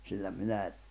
sillä minäkin